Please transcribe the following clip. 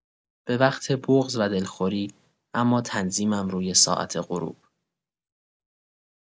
به وقت بغض و دلخوری اما تنظیمم روی ساعت غروب!